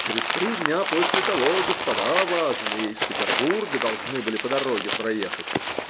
Через три дня после того господа важные из Петербурга должны были по дороге проехать